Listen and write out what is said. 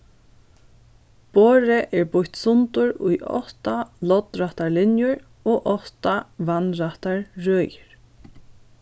borðið er býtt sundur í átta loddrættar linjur og átta vatnrættar røðir